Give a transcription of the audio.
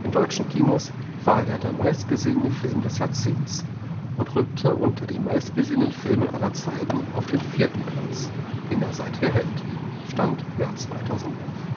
deutschen Kinos war es der meistgesehene Film des Jahrzehnts und rückte unter den meistgesehenen Filmen aller Zeiten auf den vierten Platz, den er seither hält (Stand: März 2011). Die